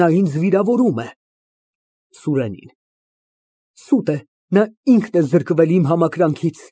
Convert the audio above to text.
Նա ինձ վիրավորում է։ (Սուրենին)։ Սուտ է, նա ինքն է զրկվել իմ համակրանքից։